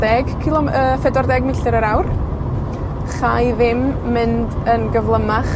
deg cilo- yy phedwar deg milltir yr awr. Chai ddim mynd yn gyflymach